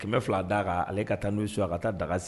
Kɛmɛ fila d'a kan ale ka taa n'u su a ka taa daga sigi